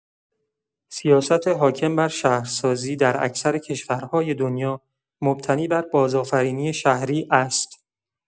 سیاست حاکم بر شهرسازی در اکثر کشورهای دنیا مبتنی بر بازآفرینی شهری است.